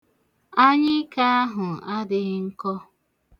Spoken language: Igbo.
Anyike ahụ adịghị nkọ.